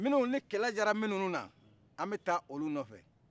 minu ni kɛlɛ jara minu na an bɛ taa olu nɔfɛ